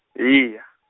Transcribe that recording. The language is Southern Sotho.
eya.